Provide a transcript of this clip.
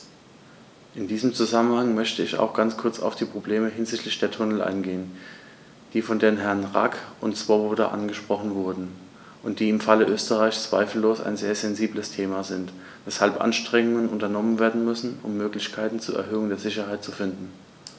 In diesem Zusammenhang möchte ich auch ganz kurz auf die Probleme hinsichtlich der Tunnel eingehen, die von den Herren Rack und Swoboda angesprochen wurden und die im Falle Österreichs zweifellos ein sehr sensibles Thema sind, weshalb Anstrengungen unternommen werden müssen, um Möglichkeiten zur Erhöhung der Sicherheit zu finden.